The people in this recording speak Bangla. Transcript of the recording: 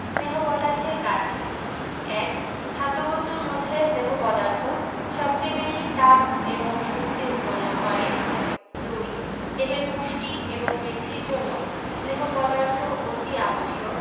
স্নেহ পদার্থের কাজ ১. খাদ্যবস্তুর মধ্যে স্নেহ পদার্থ সবচেয়ে বেশী তাপ এবং শক্তি উৎপন্ন করে ২. দেহের পুষ্টি এবং বৃদ্ধির জন্য স্নেহ পদার্থ অতি আবশ্যক